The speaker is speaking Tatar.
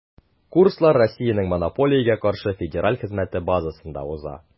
Курслар Россиянең Монополиягә каршы федераль хезмәте базасында уза.